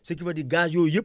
ce qui veut dire gaz yooyu yëpp